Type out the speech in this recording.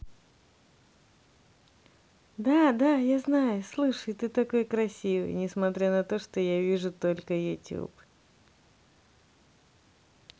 да да я знаю слушай ты такой красивый несмотря на то что я вижу только youtube